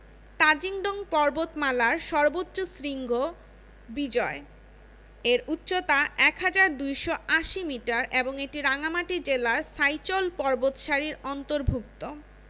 তাজিং ডং পর্বতমালার সর্বোচ্চ শৃঙ্গ বিজয় এর উচ্চতা ১হাজার ২৮০ মিটার এবং এটি রাঙ্গামাটি জেলার সাইচল পর্বতসারির অন্তর্ভূক্ত